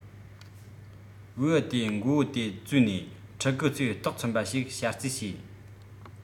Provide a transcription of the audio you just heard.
བེའུ དེའི མགོ བོ དེ བཙོས ནས ཕྲུ གུ ཚོའི ལྟོགས ཚིམས པ ཞིག བྱ རྩིས བྱས